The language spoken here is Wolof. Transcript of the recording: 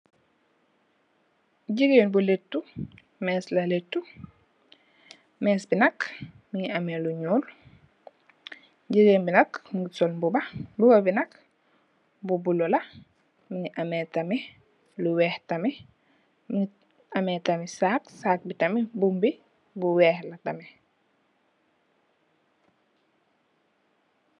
Jigeen bu leetu, mees la leetu, mees bi nak mingi ame lu nyuul, jigeen bi nak mingi sol mbuba, mbubu bi nak bu bula la, mingi ame tamit lu weex tamit, mingi ame tamit sag, sag bi tamit mbum bi bu weex la tamit.